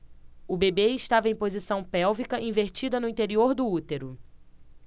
o bebê estava em posição pélvica invertida no interior do útero